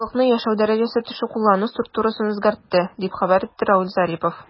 Халыкның яшәү дәрәҗәсе төшү куллану структурасын үзгәртте, дип хәбәр итте Равиль Зарипов.